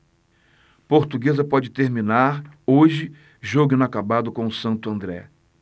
portuguesa pode terminar hoje jogo inacabado com o santo andré